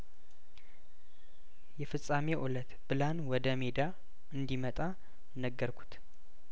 የፍጻሜው እለት ብላን ወደ ሜዳ እንዲ መጣ ነገርኩት